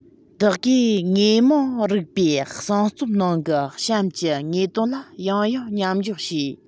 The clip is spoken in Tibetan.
བདག གིས དངོས མང རིག པའི གསུང རྩོམ ནང གི གཤམ གྱི དངོས དོན ལ ཡང ཡང མཉམ འཇོག བྱས